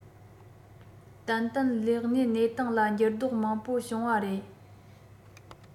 ཏན ཏན ལས གནས གནས སྟངས ལ འགྱུར ལྡོག མང པོ བྱུང བ རེད